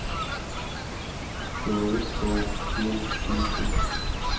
человек паук мультик ютуб